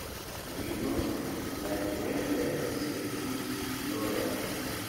You know, like when there’s a good lawyer.